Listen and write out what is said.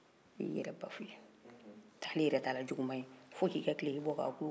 taali yɛrɛ t'a la juguman ye fo k'i ka duloki bɔ k'a dulon k'o ka duloki ta ka don i kanna